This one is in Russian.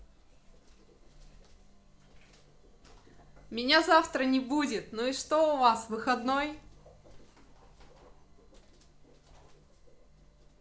меня завтра не будет ну и что у вас выходной